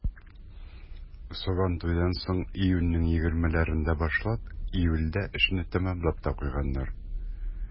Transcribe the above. Сабантуйдан соң, июньнең егермеләрендә башлап, июльдә эшне тәмамлап та куйганнар.